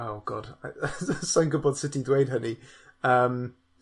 ah oh God sai'n gwbod sut i dweud hynny, yym,